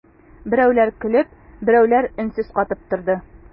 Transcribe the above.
Берәүләр көлеп, берәүләр өнсез катып торды.